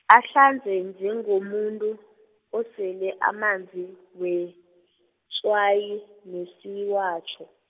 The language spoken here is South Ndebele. ahlanze njengomuntu, osele amanzi, wetswayi nesiwatjho.